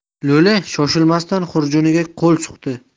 lo'li shoshilmasdan xurjuniga qo'l suqdi